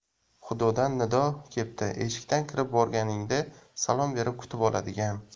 xudodan nido kepti eshikdan kirib borganingda salom berib kutib oladigan